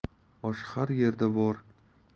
osh har yerda bor